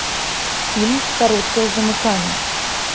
фильм короткое замыкание